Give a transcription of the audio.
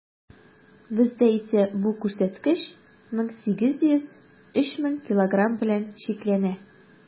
Бездә исә бу күрсәткеч 1800 - 3000 килограмм белән чикләнә.